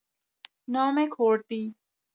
نام کردی